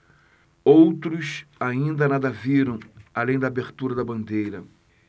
outros ainda nada viram além da abertura da bandeira